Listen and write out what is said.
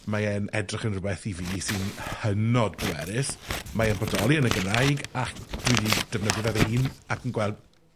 mae e'n edrych yn rwbeth i fi sy'n hynod bwerus mae e'n bodoli yn y Gymraeg, ac dwi 'di defnyddio fe fy hun, ac yn gweld